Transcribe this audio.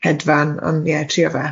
hedfan ond ie trio fe.